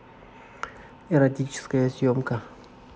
эротическая съемка